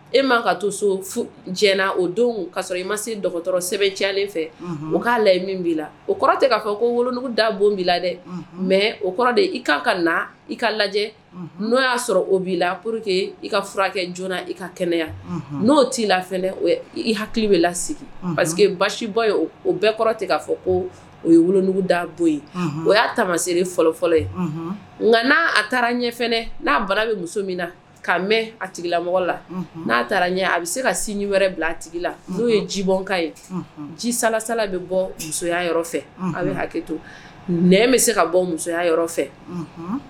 E ma ka to so diɲɛna o don kaa sɔrɔ i ma se dɔgɔtɔrɔ sɛbɛn calen fɛ o k'a layi min b'i la o kɔrɔ k ka'a fɔ ko wolodugu da bon b'i la dɛ mɛ o kɔrɔ de i k'a ka na i ka lajɛ n'o y'a sɔrɔ o b'i la po que i ka furakɛ joona i ka kɛnɛya n'o t' ii lafɛ o i hakili bɛ la sigi paseke que basi bɔ ye o bɛɛ kɔrɔ k'a fɔ ko o ye wolodugu da bɔ ye o y' taama sere fɔlɔfɔlɔ ye nka n'a a taara ɲɛ n'a bara bɛ muso min na'a mɛn a tigilamɔgɔ la n'a taara ɲɛ a bɛ se ka sini wɛrɛ bila a tigi la n'o ye jibɔnka ye jisalasala bɛ bɔ musoya a bɛ hakili to nɛ bɛ se ka bɔ musoya yɔrɔ fɛ